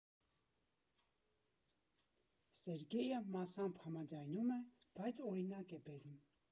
Սերգեյը մասամբ համաձայնում է, բայց օրինակ է բերում։